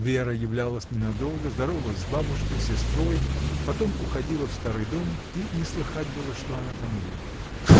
Вера являлась ненадолго, здоровалась с бабушкой, сестрой, потом уходила в старый дом, и не слыхать было, что она там делает.